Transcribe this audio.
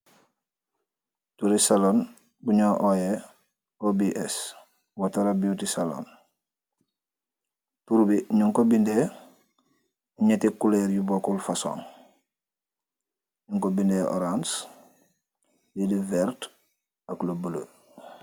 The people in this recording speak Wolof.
Tourist salon buño oye OBS , WA Tara Beauty Salon. Turbi ñunko bindee ñeti kulor yu bokkulfason. Ñunko bindee oranc, li di verte ak lu bulo.